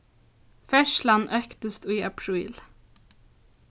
ferðslan øktist í apríl